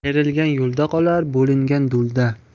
ayrilgan yo'lda qolar bo'lingan do'lda